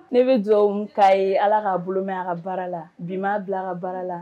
Ne bɛ dugawu min k'a ye Ala k'a bolo mɛn a ka baara la bi m'a bila a ka baara la